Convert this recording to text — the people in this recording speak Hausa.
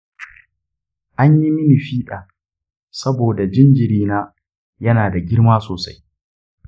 anyi mini fiɗa saboda jinjirina ya na da girma sosai.